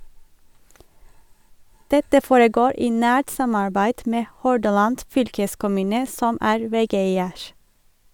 Dette foregår i nært samarbeid med Hordaland Fylkeskommune som er vegeier.